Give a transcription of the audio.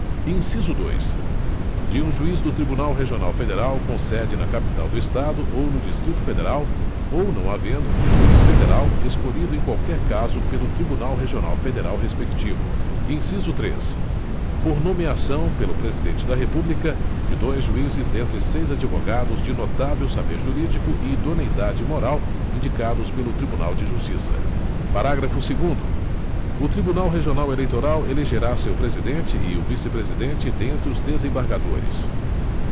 inciso dois de um juiz do tribunal regional federal com sede na capital do estado ou no distrito federal ou não havendo de juiz federal escolhido em qualquer caso pelo tribunal regional federal respectivo inciso três por nomeação pelo presidente da república de dois juízes dentre seis advogados de notável saber jurídico e idoneidade moral indicados pelo tribunal de justiça parágrafo segundo o tribunal regional eleitoral elegerá seu presidente e o vice presidente dentre os desembargadores